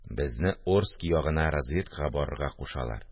– безне орски ягына разведкага барырга кушалар